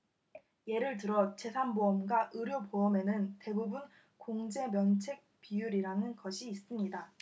예를 들어 재산 보험과 의료 보험에는 대부분 공제 면책 비율이라는 것이 있습니다